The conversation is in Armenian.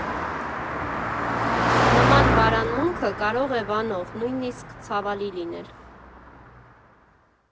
Նման վարանմունքը կարող է վանող, նույնիսկ ցավալի լինել։